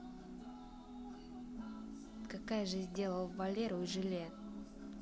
какая же сделал валеру и желе